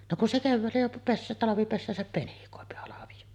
no kun se keväällä jo - talvipesäänsä penikoi halvio